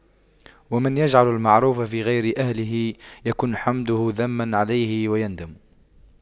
ومن يجعل المعروف في غير أهله يكن حمده ذما عليه ويندم